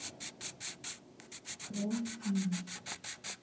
про минет